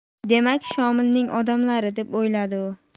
demak shomilning odamlari deb o'yladi u